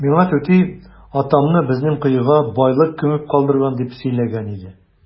Миңа түти атамны безнең коега байлык күмеп калдырган дип сөйләгән иде.